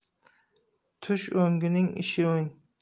tushi o'ngning ishi o'ng